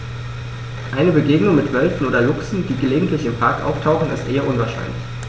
Eine Begegnung mit Wölfen oder Luchsen, die gelegentlich im Park auftauchen, ist eher unwahrscheinlich.